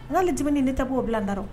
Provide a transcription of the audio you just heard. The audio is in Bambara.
N'ale nin ni ta bɔo bila da